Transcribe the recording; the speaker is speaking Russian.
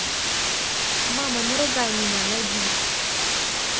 мама не ругай меня найди